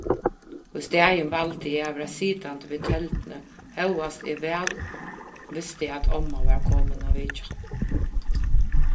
ístaðin valdi eg at vera sitandi við telduni hóast eg væl visti at omma var komin á vitjan